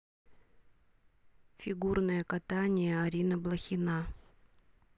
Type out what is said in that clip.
фигурное катание арина блохина